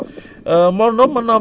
waaw